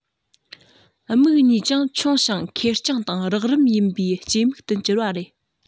མིག གཉིས ཀྱང ཆུང ཞིང ཁེར རྐྱང དང རགས རིམ ཡིན པའི སྐྱེ མིག ཏུ འགྱུར བ རེད